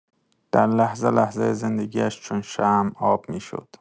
در لحظه‌لحظه زندگی‌اش چون شمع آب می‌شد.